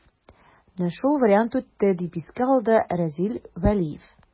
Менә шул вариант үтте, дип искә алды Разил Вәлиев.